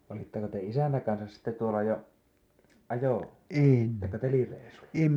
olitteko te isänne kanssa sitten tuolla jo - tai telireissuilla